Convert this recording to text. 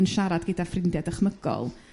yn siarad gyda ffrindia' dychmygol.